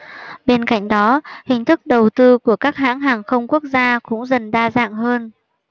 bên cạnh đó hình thức đầu tư của các hãng hàng không quốc gia cũng dần đa dạng hơn